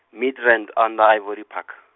Midrand on the Ivory Park.